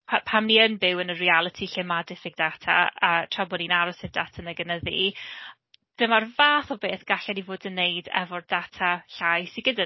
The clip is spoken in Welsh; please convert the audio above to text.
pa- pan ni'n byw yn y realiti lle ma' diffyg data, a tra bod ni'n aros i'r data 'na gynyddu, dyma'r fath o beth gallen ni fod yn wneud efo'r data llai sydd gyda ni.